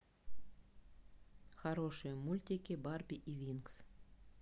хорошие мультики барби и винкс